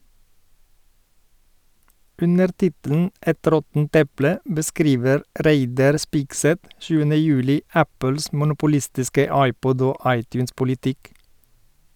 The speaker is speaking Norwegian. Under tittelen «Et råttent eple» beskriver Reidar Spigseth 7. juli Apples monopolistiske iPod- og iTunes-politikk.